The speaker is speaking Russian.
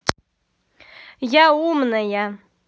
я умная